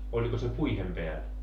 oliko se puiden päällä